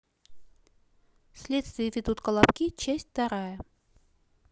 следствие ведут колобки часть вторая